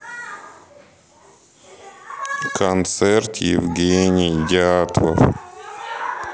концерт евгений дятлов